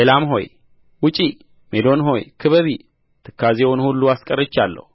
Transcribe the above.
ኤላም ሆይ ውጪ ሜዶን ሆይ ክበቢ ትካዜውን ሁሉ አስቀርቻለሁ